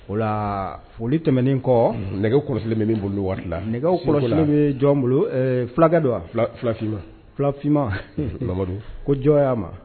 O laa foli tɛmɛnen kɔ unhun nɛgɛw kɔlɔsilen be min bolo nin waati la nɛgɛw kɔrɔsilen bee jɔn bolo ɛɛ fulakɛ don wa fula fulafinma fulafinman Mamadu ko jɔɔya ma